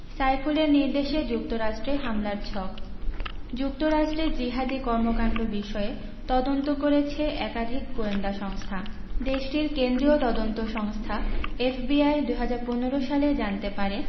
সাইফুলের নির্দেশে যুক্তরাষ্ট্রে হামলার ছক যুক্তরাষ্ট্রে জিহাদি কর্মকাণ্ড বিষয়ে তদন্ত করেছে একাধিক গোয়েন্দা সংস্থা দেশটির কেন্দ্রীয় তদন্ত সংস্থা এফবিআই ২০১৫ সালে জানতে পারে